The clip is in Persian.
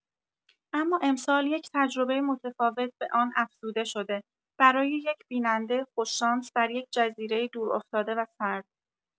اما امسال یک تجربه متفاوت به آن افزوده‌شده، برای یک بیننده خوش‌شانس در یک جزیره دورافتاده و سرد.